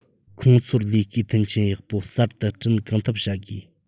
ཁོང ཚོར ལས ཀའི མཐུན རྐྱེན ཡག པོ གསར དུ བསྐྲུན གང ཐུབ བྱ དགོས